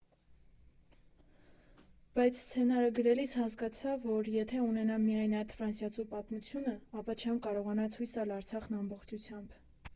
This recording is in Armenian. Բայց սցենարը գրելիս հասկացա, որ եթե ունենամ միայն այդ ֆրանսիացու պատմությունը, ապա չեմ կարողանա ցույց տալ Արցախն ամբողջությամբ։